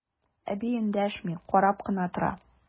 Әби эндәшми, карап кына тора.